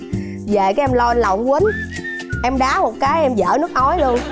về cái em lôi lên lầu em uýnh em đá một cái em vỡ nước ối luôn